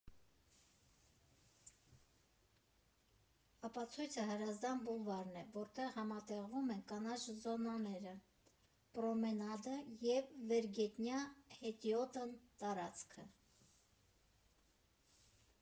Ապացույցը՝ Հրազդան բուլվարն է, որտեղ համատեղվում են կանաչ զոնաները, պրոմենադը և վերգետնյա հետիոտն տարածքը։